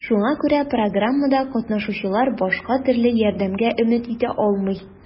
Шуңа күрә программада катнашучылар башка төрле ярдәмгә өмет итә алмый.